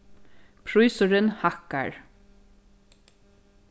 prísurin hækkar